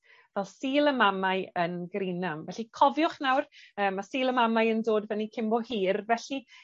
Wel Sul y Mamau yn Greenham. Felly cofiwch nawr yy ma' Sul y Mamau yn dod fyny cyn bo hir felly